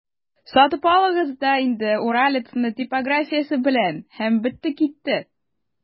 Сатып алыгыз да инде «Уралец»ны типографиясе белән, һәм бетте-китте!